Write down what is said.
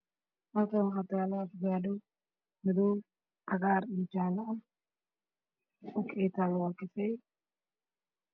Halkaan waxa taalo afakaadho midabkeddu yahay cagaar jaale madow ah weel ayayna kujirtaa